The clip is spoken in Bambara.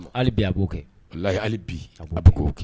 Hali bi a b'o kɛ wallahi hali bi a b' bɛ k'o kɛ!